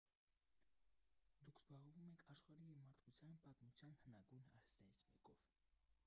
Դուք զբաղվում եք աշխարհի և մարդկության պատմության հնագույն արհեստներից մեկով։